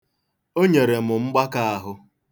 O nyere m oke mgbaka ahụ.